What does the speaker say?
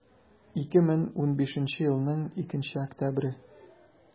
2015 елның 2 октябре